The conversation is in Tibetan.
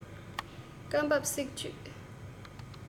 སྐབས བབས གསེག གཅོད